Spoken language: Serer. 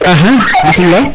axa bismila